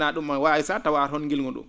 a ?um han waawi sah tawaa toon ngilngu ?um